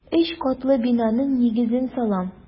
Өч катлы бинаның нигезен салам.